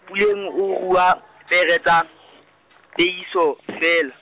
Puleng o rua, pere tsa, Peiso, feela.